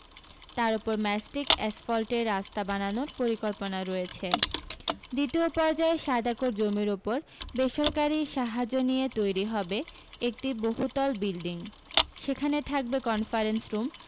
তার ওপর ম্যাস্টিক অ্যাসফল্টের রাস্তা বানানোর পরিকল্পনা রয়েছে দ্বিতীয় পর্যায়ে সাত একর জমির ওপর বেসরকারি সাহায্য নিয়ে তৈরী হবে একটি বহুতল বিল্ডিং সেখানে থাকবে কনফারেন্স রুম